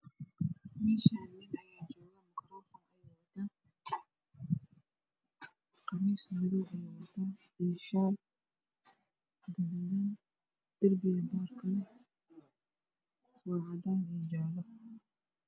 Meeshaan nin ayaa joogo oo makaroofan heysto. Qamiis madow iyo shaal gaduud ayuu wataa. Darbiga boorka waa cadaan iyo jaale.